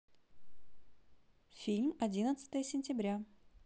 фильм одиннадцатое сентября